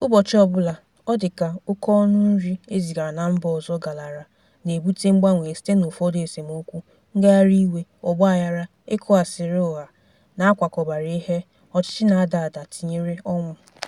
Ụbọchị ọbụla, ọ dị ka, oke ọnụ nri e zigara na mba ọzọ galara na-ebute mgbanwe site n'ụfọdụ esemokwu: ngagharị iwe, ogbaaghara, ị kụ asịrị ụgha na a kwakọbara ihe, ọchịchị na-ada ada, tinyere ọnwụ.